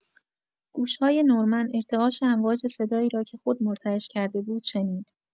گوش‌های نورمن ارتعاش امواج صدایی را که خود مرتعش کرده بود، شنید.